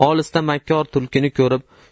olisda makkor tulkini ko'rib